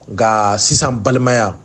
Nka sisan balimaya